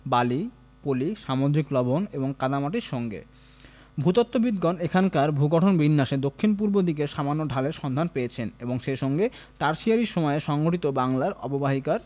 বালি পলি সামুদ্রিক লবণ এবং কাদামাটির সঙ্গে ভূতত্ত্ববিদগণ এখানকার ভূগঠনবিন্যাসে দক্ষিণ পূর্ব দিকে সামান্য ঢালের সন্ধান পেয়েছেন এবং সেসঙ্গে টারসিয়ারি সময়ে সংঘটিত বাংলার অববাহিকার